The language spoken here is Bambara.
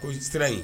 Ko siran in